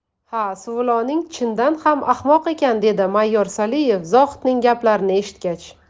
ha suvilon ing chindan ham ahmoq ekan dedi mayor soliev zohidning gaplarini eshitgach